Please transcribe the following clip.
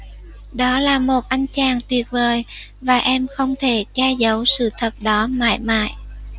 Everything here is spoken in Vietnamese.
đó là một anh chàng tuyệt vời và em không thể che giấu sự thật đó mãi mãi